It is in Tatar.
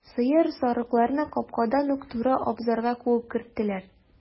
Сыер, сарыкларны капкадан ук туры абзарга куып керттеләр.